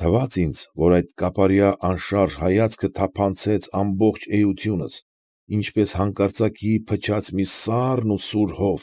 թվաց ինձ, որ այդ կապարյա՝ անշարժ հայացքը թափանցեց ամբողջ էությունս, ինչպես հանկարծ ակի փչած մի սառն ու սուր հով։